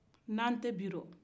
nan tɛ bila